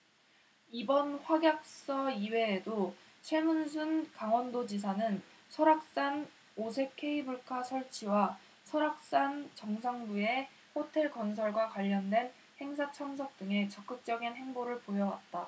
이번 확약서 이외에도 최문순 강원도지사는 설악산 오색케이블카 설치와 설악산 정상부의 호텔 건설과 관련된 행사 참석 등에 적극적인 행보를 보여왔다